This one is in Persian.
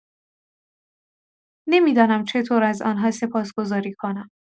نمی‌دانم چطور از آن‌ها سپاسگزاری کنم.